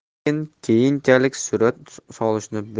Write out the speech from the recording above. lekin keyinchalik surat solishni